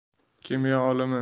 kimyo olimi